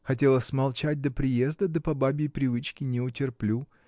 Хотела смолчать до приезда, да по бабьей привычке не утерплю.